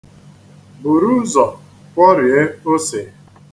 Buru ụzọ kwọrie ose.